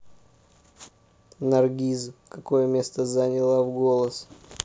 наргиз какое место заняла в голос